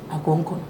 A ko n ko